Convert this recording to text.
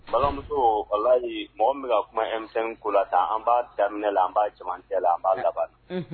Balamuso mɔgɔ bɛna kuma e ko la tan an b'a daminɛ la an b' camancɛ la an b'a laban